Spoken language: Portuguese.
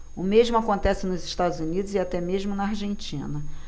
o mesmo acontece nos estados unidos e até mesmo na argentina